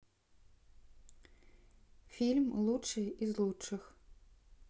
фильм лучшие из лучших